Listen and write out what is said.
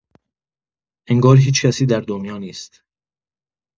انگار هیچکسی در دنیا نیست!